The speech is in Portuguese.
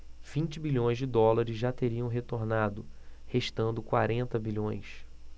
vinte bilhões de dólares já teriam retornado restando quarenta bilhões